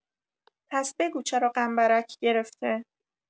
پس بگو چرا غمبرک گرفته